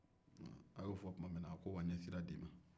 hum a ye o fɔ tuma min na a ko wa n' ye sira di i ma